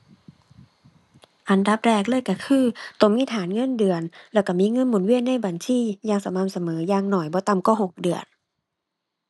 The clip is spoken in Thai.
อันดับแรกเลยก็คือ ต้องมีฐานเงินเดือน แล้วก็มีเงินหมุนเวียนในบัญชีอย่างสม่ำเสมอ อย่างน้อยบ่ต่ำกว่าหกเดือน